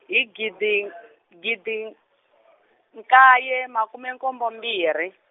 i hi gidi, gidi, nkaye makume nkombo mbirhi.